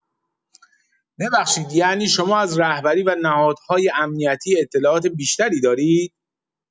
ببخشید یعنی شما از رهبری و نهادهای امنیتی اطلاعات بیشتری دارید؟